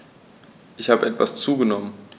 Ich habe etwas zugenommen